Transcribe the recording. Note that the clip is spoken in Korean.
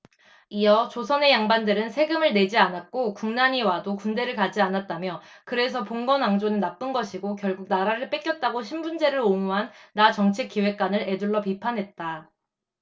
이어 조선의 양반들은 세금을 내지 않았고 국난이 와도 군대를 가지 않았다며 그래서 봉건왕조는 나쁜 것이고 결국 나라를 뺏겼다고 신분제를 옹호한 나 정책기획관을 에둘러 비판했다